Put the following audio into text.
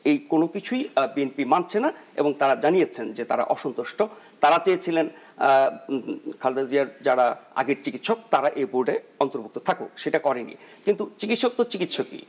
এই কোন কিছুই বিএনপি মানছে না এবং তারা জানিয়েছেন যে তারা অসন্তুষ্ট তারা চেয়েছিলেন খালেদা জিয়ার যারা আগের চিকিৎসক তারা এ বোর্ডে অন্তর্ভুক্ত থাকুক সেটা করেনি কিন্তু চিকিৎসক তো চিকিৎসকই